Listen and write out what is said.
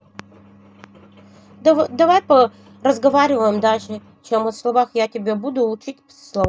давай по разговариваем дальше чем о словах я тебя буду учить словам